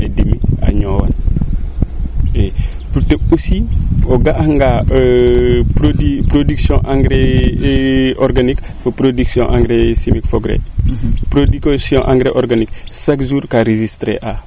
a ñoowa aussi o ga' a nga production engrais organique fo production engrais chimique fogree production engrais organique chaque jour kaa resisté aa